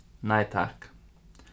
nei takk